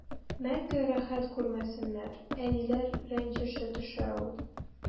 Мәңге рәхәт күрмәсеннәр, әниләр рәнҗеше төшә ул.